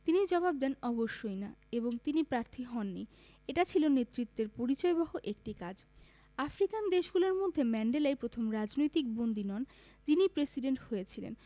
তিনি জবাব দেন অবশ্যই না এবং তিনি প্রার্থী হননি এটা ছিল নেতৃত্বের পরিচয়বহ একটি কাজ আফ্রিকান দেশগুলোর মধ্যে ম্যান্ডেলাই প্রথম রাজনৈতিক বন্দী নন যিনি প্রেসিডেন্ট হয়েছিলেন